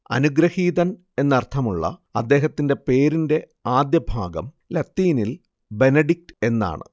അനുഗ്രഹീതൻ എന്നർത്ഥമുള്ള അദ്ദേഹത്തിന്റെ പേരിന്റെ ആദ്യഭാഗം ലത്തീനിൽ ബെനഡിക്ട് എന്നാണ്